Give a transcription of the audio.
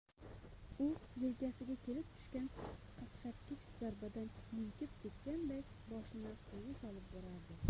u yelkasiga kelib tushgan qaqshatqich zarbadan munkib ketganday boshini quyi solib borardi